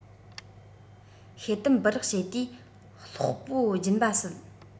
ཤེལ དམ སྦི རག བྱེད དུས སློག སྤོ འབྱིན པ སྲིད